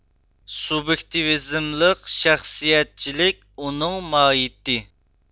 سۇبيېكتىۋىزملىق شەخسىيەتچىلىك ئۇنىڭ ماھىيىتى